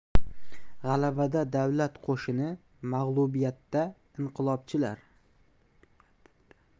g'alabada davlat qo'shini mag'lubiyatda inqilobchilar